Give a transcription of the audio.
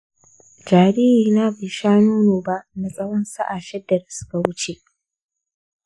jaririna bai sha nono ba na tsawon sa'a shida da suka wuce.